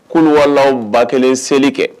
Qul walahu 1000 seli kɛ!